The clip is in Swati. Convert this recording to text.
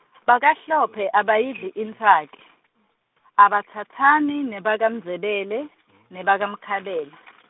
BakaHlophe, abayidli intsaki, abatsatsani nebakaMndzebele, nebakaMkhabela.